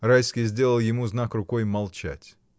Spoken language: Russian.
Райский сделал ему знак рукой молчать.